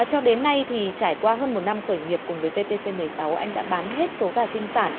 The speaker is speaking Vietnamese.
cho đến nay thì trải qua hơn một năm khởi nghiệp cùng với vê tê xê mười sáu anh đã bán hết số gà sinh sản